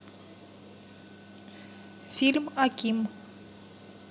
фильм аким